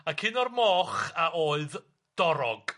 Ac un o'r moch a oedd dorog.